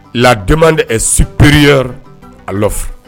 Ladi de sipereya a